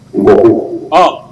Nba hɔ